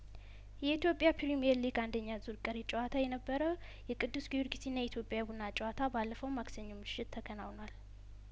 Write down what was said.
የኢትዮጵያ ፕሪምየር ሊግ አንደኛ ዙር ቀሪ ጨዋታ የነበረው የቅዱስ ጊዮርጊስና የኢትዮጵያ ቡና ጨዋታ ባለፈው ማክሰኞምሽት ተከናውኗል